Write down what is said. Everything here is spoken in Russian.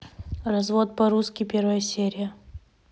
развод по русски первая серия